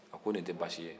a ko nin tɛ baasi ye